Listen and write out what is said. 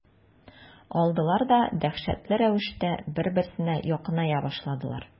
Алдылар да дәһшәтле рәвештә бер-берсенә якыная башладылар.